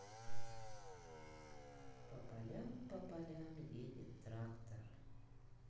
по полям по полям едет трактор